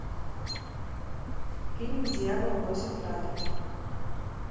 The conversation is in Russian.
фильм дьявол носит прада